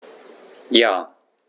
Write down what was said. Ja.